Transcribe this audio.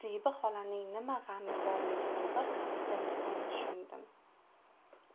zebi xolaning nima g'ami borligini bir haftadan keyin tushundim